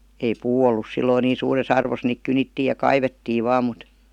ei puu ollut silloin niin suuressa arvossa niitä kynittiin ja kaivettiin vain mutta